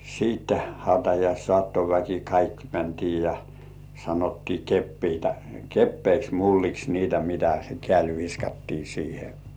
sitten hautajaissaattoväki kaikki mentiin ja sanottiin kepeitä kepeiksi mulliksi niitä mitä se kädellä viskattiin siihen